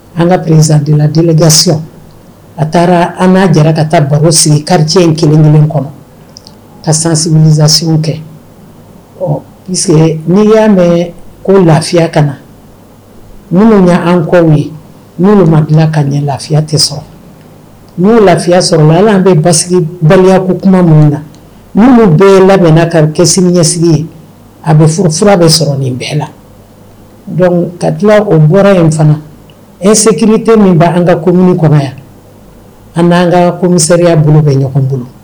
An ka perezadiladsi a taara an n'a jɛra ka taa baro sigi karicɛ in kelenkelen kɔnɔ ka sanas kɛ ɔ n'i y'an mɛn ko lafiya ka na minnu ye an kɔw ye n' ka ɲɛ lafiya tɛ sɔrɔ n'u ye lafiya sɔrɔ la alaan baliya ko kuma minnu na n bɛɛ ye labɛn ka kɛ seli ɲɛsigi ye a bɛ furufura bɛ sɔrɔ nin bɛɛ la ka o bɔra in fana eseki tɛ min bɛ an ka ko minnu kɔnɔ yan an n'an ka ko misaya bolo bɛ ɲɔgɔn bolo